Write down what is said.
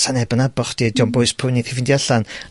'sa neb yn nabo chdi 'di o'm bwys pwy neith i ffindio allan.